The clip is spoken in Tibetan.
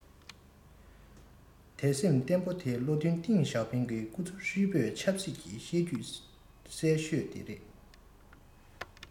དད སེམས བརྟན པོ དེ བློ མཐུན ཏེང ཞའོ ཕིང གི སྐུ ཚེ ཧྲིལ པོའི ཆབ སྲིད ཀྱི གཤིས རྒྱུད གསལ ཤོས ཤིག རེད ལ